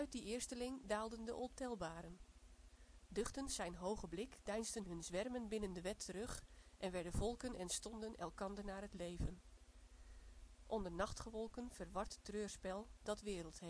die eersteling daalden de ontelbaren. Duchtend zijn hoge blik deinsden hun zwermen binnen de wet terug en werden volken en stonden elkander naar het leven, onder nachtgewolken verward treurspel, dat wereld